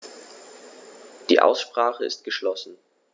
Die Aussprache ist geschlossen.